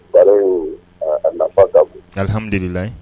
Balo a nafa ka alihamdulila ye